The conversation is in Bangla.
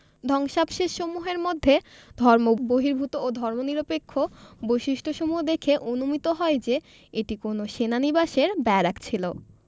ধ্বংসাবশেষসমূহের মধ্যে ধর্মবহির্ভূত ও ধর্মনিরপেক্ষ বৈশিষ্ট্যসমূহ দেখে অনুমিত হয় যে এটি কোন সেনা নিবাসের ব্যারাক ছিল